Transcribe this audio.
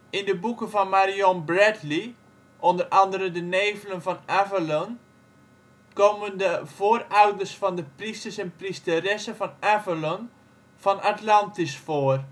In de boeken van Marion Bradley (onder andere De Nevelen van Avalon) komen de voorouders van de priesters en priesteressen van Avalon van Atlantis voor